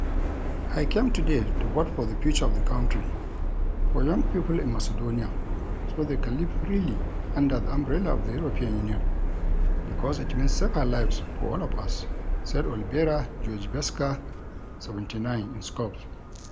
I came today to vote for the future of the country, for young people in Macedonia, so they can live freely under the umbrella of the European Union, because it means safer lives for all of us,” said Olivera Georgijevska, 79, in Skopje